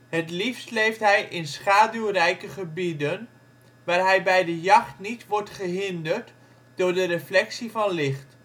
Het liefst leeft hij in schaduwrijke gebieden, waar hij bij de jacht niet wordt gehinderd door de reflectie van licht